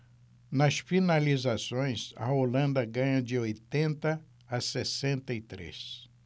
nas finalizações a holanda ganha de oitenta a sessenta e três